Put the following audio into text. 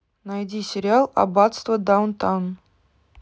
найди сериал аббатство даунтон